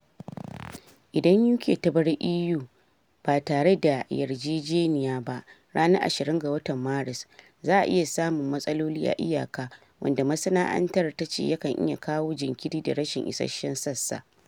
Idan UK ta bar EU ba tare dayarjejeniya ba ranar 29 ga watan Maris, za’a iya samun matsaloli a iyaka wanda masana’antar ta ce yakan iya kawo jinkiri da rashin isashen sassa.